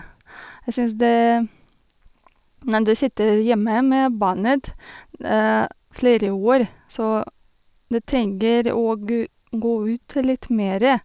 Jeg syns det når du sitter hjemme med barnet flere år, så du trenger å gå ut litt mere.